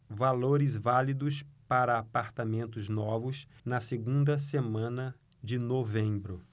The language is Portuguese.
valores válidos para apartamentos novos na segunda semana de novembro